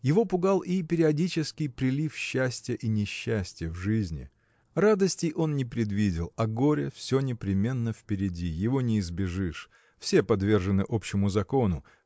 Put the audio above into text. Его пугал и периодический прилив счастья и несчастья в жизни. Радостей он не предвидел а горе все непременно впереди его не избежишь все подвержены общему закону